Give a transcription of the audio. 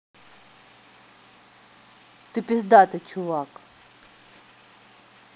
ты пиздатый чувак